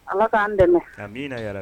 Ala k'an dɛmɛ